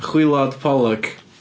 Chwilod. Pollock.